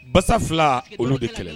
Basa fila olu de kɛlɛ